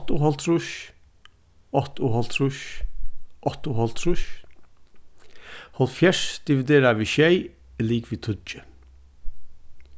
áttaoghálvtrýss áttaoghálvtrýss áttaoghálvtrýss hálvfjerðs dividerað við sjey er ligvið tíggju